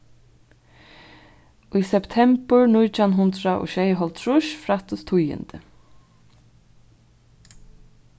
í septembur nítjan hundrað og sjeyoghálvtrýss frættust tíðindi